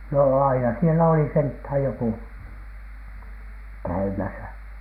no aina siellä oli sentään joku käymässä